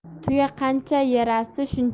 tuya qancha yarasi shuncha